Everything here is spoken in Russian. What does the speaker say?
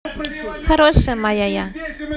хорошая моя я